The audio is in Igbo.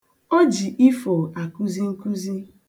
O ji ifo akụzi nkuzi.